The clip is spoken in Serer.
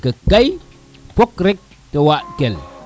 te kay fok rek te waaɗ kel